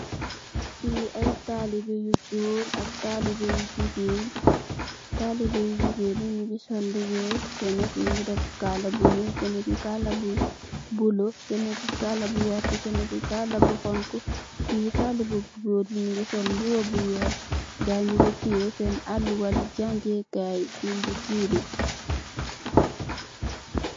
Fi ay talibe yu Goor ak talibe yu gigen talibe Yu gigen Yi njongi sol lu wex kena mungi def kala bu njul kena mungi def kala bu bula kena mungi def kala bu wex kenenka kala bu wert kenen ki kala bu xonxu talibe bu Goor bi mungi sol mbuba bu wex gayi njongi tiye sene aluwa jande Kaye ak tare